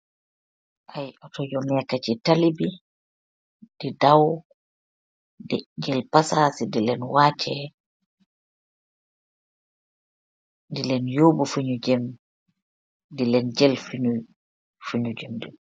Iiiy Oohtor yu neka chi taali bi, di daw, d jel pasas zee dilen waacheh, dii len yobu fu nju jeum, dilen jel fi nju, fu nju jeundi.